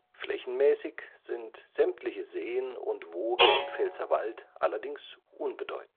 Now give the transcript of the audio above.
Flächenmäßig sind sämtliche Seen und Wooge im Pfälzerwald allerdings unbedeutend